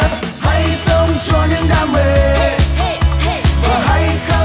hãy sống cho những đam mê và